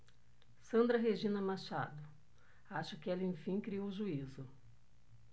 sandra regina machado acho que ela enfim criou juízo